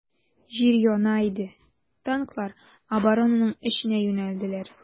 Җир яна иде, танклар оборонаның эченә юнәлделәр.